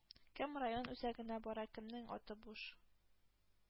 Кем район үзәгенә бара? Кемнең аты буш?